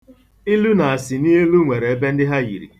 Ilu na asịnilu nwere ebe ndị ha yiri.